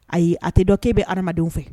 Ayi a tɛ dɔn k'e bɛ hadamadenw fɛ